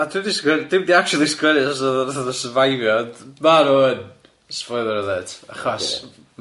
A dwi'm 'di sgwenn- dwi'm 'di actually sgwennu os o'dd o nath o fatha survivrio ond ma' n'w yn spoiler alert achos